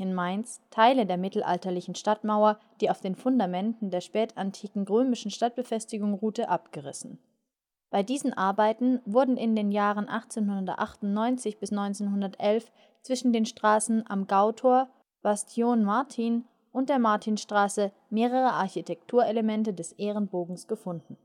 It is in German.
Mainz Teile der mittelalterlichen Stadtmauer, die auf den Fundamenten der spätantiken römischen Stadtbefestigung ruhte, abgerissen. Bei diesen Arbeiten wurden in den Jahren 1898 bis 1911 zwischen den Straßen „ Am Gautor “,„ Bastion Martin “und der „ Martinstraße “mehrere Architekturelemente des Ehrenbogens gefunden